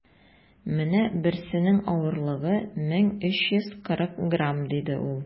- менә берсенең авырлыгы 1340 грамм, - диде ул.